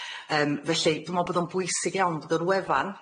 Yym felly dw' me'wl bod o'n bwysig iawn bod yr wefan